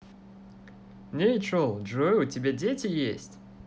джой у тебя дети есть